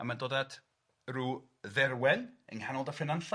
a mae'n dod at ryw dderwen yng nghanol Dyffryn Nanllte